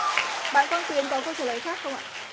bạn quang tuyến có câu trả lời khác không ạ